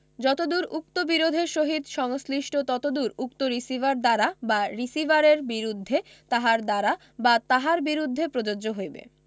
যতদূর উক্ত বিরোধের সহিত সংশ্লিষ্ট ততদূর উক্ত রিসিভার দ্বারা বা রিসিভারের বিরুদ্ধে তাহার দ্বারা বা তাহার বিরুদ্ধে প্রযোজ্য হইবে